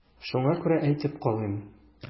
Шуңа күрә әйтеп калыйм.